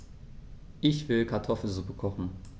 Ich will Kartoffelsuppe kochen.